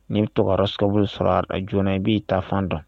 Ni bi tɔ ka roscope sɔra a joona i b'i ta fan dɔn